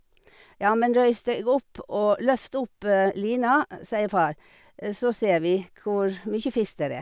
Ja, men reis deg opp og løft opp lina, sier far, Så ser vi hvor mye fisk der er.